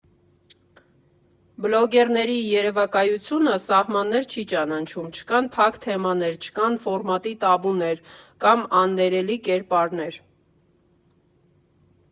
Բլոգերների երևակայությունը սահմաններ չի ճանաչում, չկան փակ թեմաներ, չկան ֆորմատի տաբուներ կամ աններելի կերպարներ։